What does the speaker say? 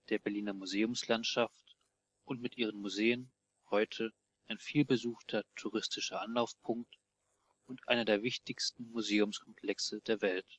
Berliner Museumslandschaft und mit ihren Museen heute ein vielbesuchter touristischer Anlaufpunkt und einer der wichtigsten Museumskomplexe der Welt